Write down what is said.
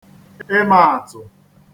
ịmaātụ̀